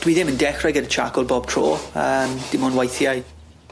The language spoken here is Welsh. Dwi ddim yn dechrau gyda charcoal bob tro, yym dim ond weithiau.